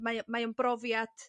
mae o mae o'n brofiad